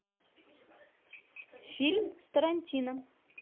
фильмы с тарантино